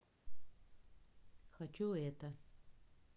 хочу это